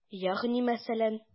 Ягъни мәсәлән?